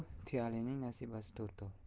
tuyalining nasibasi to'rtov